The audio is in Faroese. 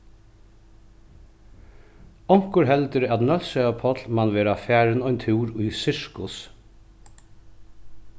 onkur heldur at nólsoyar páll man vera farin ein túr í sirkus